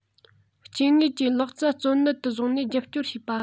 སྐྱེ དངོས ཀྱི ལག རྩལ གཙོ གནད དུ བཟུང ནས རྒྱབ སྐྱོར བྱེད པ